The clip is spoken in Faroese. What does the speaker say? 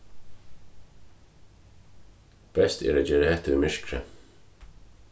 best er at gera hetta í myrkri